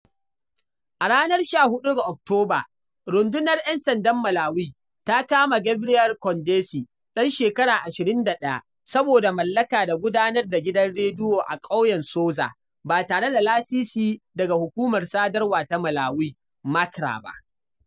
A ranar 14 ga Oktoba, Rundunar ‘Yan Sandan Malawi ta kama Gabriel Kondesi, ɗan shekara 21 saboda mallaka da gudanar da gidan rediyo a ƙauyen Soza ba tare da lasisi daga hukumar sadarwa ta Malawi (MACRA) ba.